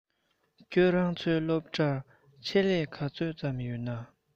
ཁྱོད རང ཚོའི སློབ གྲྭར ཆེད ལས ག ཚོད ཙམ ཡོད ན